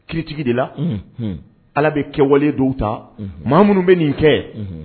criique de la, Allah bɛ kɛwale dw de ta, maa minnu bɛ nin kɛ